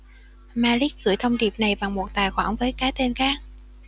malik gửi thông điệp này bằng một tài khoản với cái tên khác